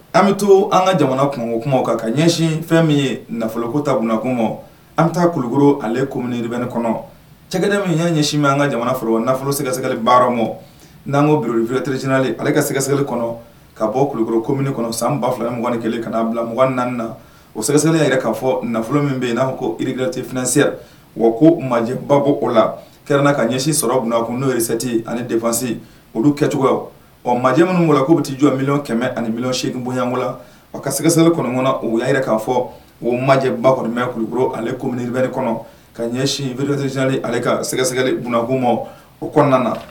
An bɛ to an ka jamana kun o kuma kan ka ɲɛsin fɛn min ye nafoloko ta kunnana kuma an bɛ taa kulukoro ani komriɛnen kɔnɔ cɛkɛdi min' ɲɛsin bɛ an ka jamana foro nafolo sɛgɛsɛgɛli baara ma n'an ko biurffirecinali ale ka sɛgɛsɛli kɔnɔ ka bɔ kulukorokom kɔnɔ san ba fila 22 kelen ka'a bila 2ugan4 na o sɛgɛsɛnen yɛrɛ k kaa fɔ nafolo min bɛ yen n'a ko iiridrte fsɛ wa ko maba bɔ o la kɛra na ka ɲɛsin sɔrɔ tun n'o ye sɛti ani defasi olu kɛcogo ɔ majɛ minnu ko bɛ ti jɔmin kɛmɛ ani minɛn sigin bonyaygo la ɔ ka sɛgɛsɛli kɔnɔ kɔnɔ u y' yɛrɛ k'a fɔ o majɛ ba kɔnɔbɛn kulukolo ale komriɛ kɔnɔ ka ɲɛsin vcinali ale ka sɛgɛsɛgɛli kunnabuguma o kɔnɔna na